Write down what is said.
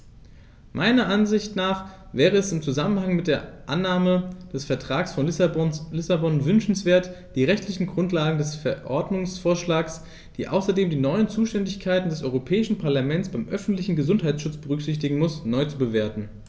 Meiner Ansicht nach jedoch wäre es im Zusammenhang mit der Annahme des Vertrags von Lissabon wünschenswert, die rechtliche Grundlage des Verordnungsvorschlags, die außerdem die neuen Zuständigkeiten des Europäischen Parlaments beim öffentlichen Gesundheitsschutz berücksichtigen muss, neu zu bewerten.